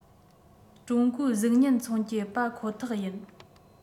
ཀྲུང གོའི གཟུགས བརྙན མཚོན གྱི པ ཁོ ཐག ཡིན